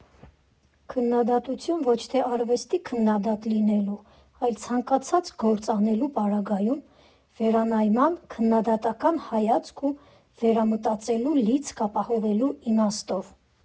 Քննադատություն ոչ թե արվեստի քննադատ լինելու, այլ ցանկացած գործ անելու պարագայում վերանայման, քննադատական հայացք ու վերամտածելու լիցք ապահովելու իմաստով։